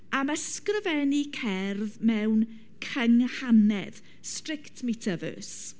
Am ysgrifennu cerdd mewn cynghanedd, strict meter verse.